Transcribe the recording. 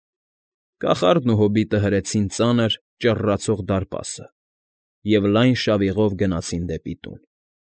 Կախարդն ու հոբիտը հրեցին ծանր, ճռռացող դարպասը և լայն շավիղով գնացին դեպի տուն։